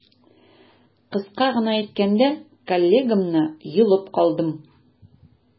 Кыска гына әйткәндә, коллегамны йолып калдым.